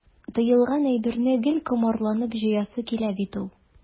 Тыелган әйберне гел комарланып җыясы килә бит ул.